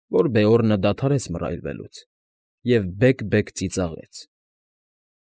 Որ Բեորնը դադարեց մռայլվելուց և բեկ֊բեկ ծիծաղեց։